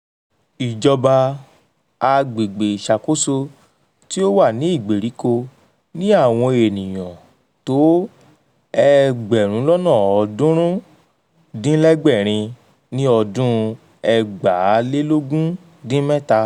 Ìjọba, agbègbè ìṣàkóso tí ó wà ní ìgberíko, ni àwọn ènìyàn tó 299,200 ní ọdún 2017.